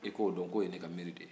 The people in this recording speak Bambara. i k'o dɔn k'o ye ne ka miiri de ye